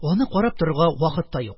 Аны карап торырга вакыт та юк: